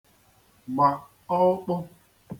gbà ọụkpụ